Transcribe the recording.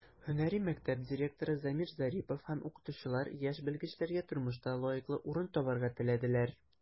Һөнәри мәктәп директоры Замир Зарипов һәм укытучылар яшь белгечләргә тормышта лаеклы урын табарга теләделәр.